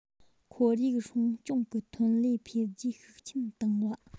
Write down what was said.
ཁོར ཡུག སྲུང སྐྱོང གི ཐོན ལས འཕེལ རྒྱས ཤུགས ཆེན བཏང བ